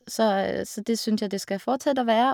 så Så det syns jeg at det skal fortsette å være.